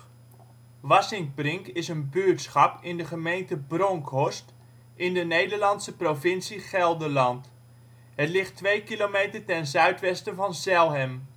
buurtschap in de gemeente Bronckhorst in de Nederlandse provincie Gelderland. Het ligt twee kilometer ten zuidwesten van Zelhem